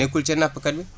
nekkul ca nappkat bi